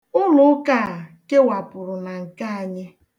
Ụlụụka a kewapụrụ na nke anyị.